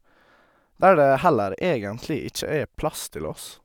Der det heller egentlig ikke er plass til oss.